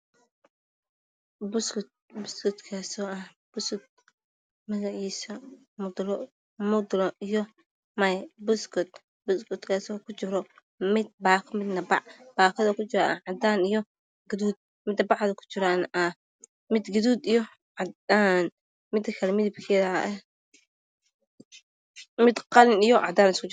Waa buskud magaciisa waa mudla waxuu kujiraa mid baakad midna bac. Baakada waa cadaan iyo gaduud, mida bacda waa gaduud iyo cadaan, mid qalin iyo cadeys isku jirto.